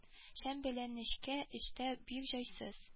Шәм белән нечкә эштә бик җайсыз